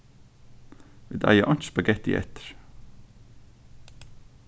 vit eiga einki spagetti eftir